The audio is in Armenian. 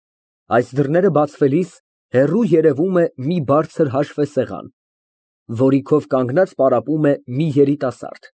Այս դռները բացվելիս հեռվում երևում է մի բարձր հաշվեսեղան, որի քով կանգնած պարապում է մի երիտասարդ։